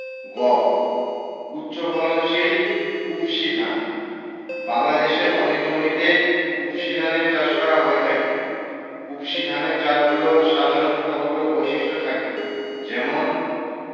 গ উচ্চফলনশীল উফশী জাতঃ বাংলাদেশের অনেক জমিতে উফশী ধানের চাষ করা হয়ে থাকে উফশী ধানের জাতগুলোর সাধারণ কতগুলো বৈশিষ্ট্য থাকে যেমন